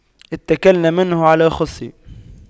اتَّكَلْنا منه على خُصٍّ